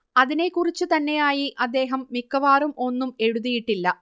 അതിനെക്കുറിച്ച് തന്നെയായി അദ്ദേഹം മിക്കവാറും ഒന്നും എഴുതിയിട്ടില്ല